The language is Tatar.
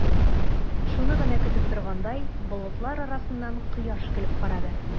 Шуны гына көтеп торгандай, болытлар арасыннан кояш көлеп карады.